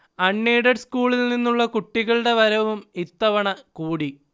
അൺ aided സ്കൂളിൽനിന്നുള്ള കുട്ടികളുടെ വരവും ഇത്തവണ കൂടി